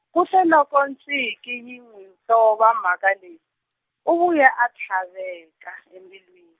kute loko Tsinkie yi n'wi tova mhaka leyi, u vuye a tlhaveka embilwi-.